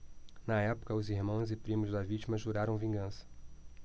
na época os irmãos e primos da vítima juraram vingança